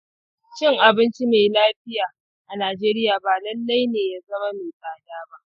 cin abinci mai lafiya a najeriya ba lallai ne ya zama mai tsada ba.